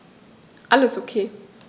Alles OK.